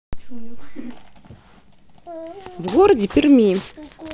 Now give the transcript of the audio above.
в городе перми